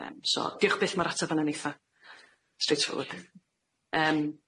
Yym so diolch byth ma'r ateb yna'n eitha straight forward yym